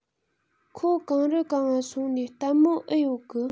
ཁོད གང རི གང ང སོང ནིས ལྟད མོ ཨེ ཡོད གི